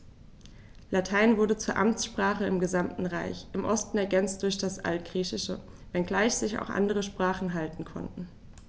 Latein wurde zur Amtssprache im gesamten Reich (im Osten ergänzt durch das Altgriechische), wenngleich sich auch andere Sprachen halten konnten.